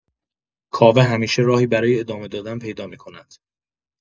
کاوه همیشه راهی برای ادامه دادن پیدا می‌کند.